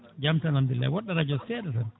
jaam tan hamdulillayi woɗɗo radio o seeɗa tan